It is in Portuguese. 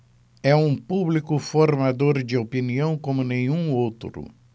é um público formador de opinião como nenhum outro